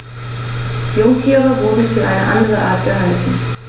Jungtiere wurden für eine andere Art gehalten.